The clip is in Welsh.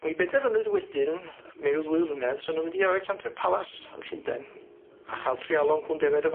mi benderfynwyd wedyn, mewn ddwy flynedd, swn nw'n mynd i Alexandra Palace yn Llunden a cha'l treialon cŵn defyd yn